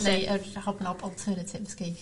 ...neu yr hobknob alternatives geith